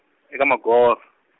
e ka Magoro.